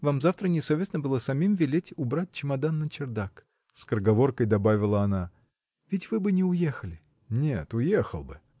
вам завтра не совестно было самим велеть убрать чемодан на чердак, — скороговоркой добавила она. — Ведь вы бы не уехали! — Нет, уехал бы.